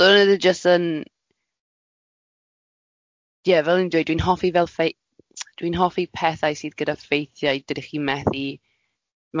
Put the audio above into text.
So o'n i jyst yn, ie fel o'n i'n dweud dwi'n hoffi fel ffe- dwi'n hoffi pethau sydd gyda ffeithiau dydych chi'n methu... Ie.